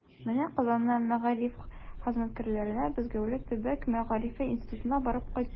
Менә Казаннан мәгариф хезмәткәрләре Мәскәүгә Төбәк мәгарифе институтына барып кайтты.